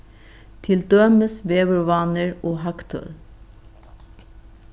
til dømis veðurvánir og hagtøl